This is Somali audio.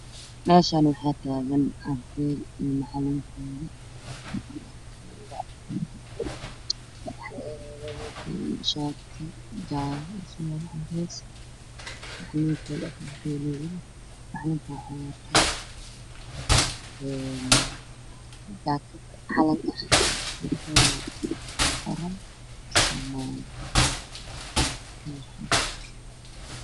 Meeshaan waxaa taagan arday iyo macalinkooda, waxay wataan shaar jaale ah iyo surwaal cadeys ah. Macalinkuna waxuu wataa jaakad calan ah oo kuqoran soomaaliya.